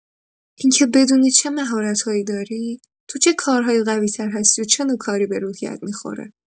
این که بدونی چه مهارت‌هایی داری، تو چه کارهایی قوی‌تر هستی و چه نوع کاری به روحیه‌ت می‌خوره.